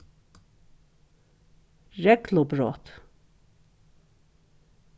reglubrot